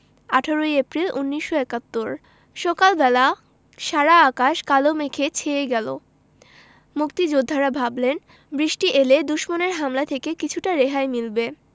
১৮ April ১৯৭১ সকাল বেলা সারা আকাশ কালো মেঘে ছেয়ে গেল মুক্তিযোদ্ধারা ভাবলেন বৃষ্টি এলে দুশমনের হামলা থেকে কিছুটা রেহাই মিলবে